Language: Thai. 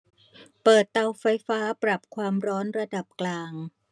เปิดเตาไฟฟ้าปรับความร้อนระดับกลาง